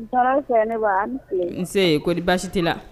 Tɔɔrɔ fɛ an nse ko di baasi t tɛ la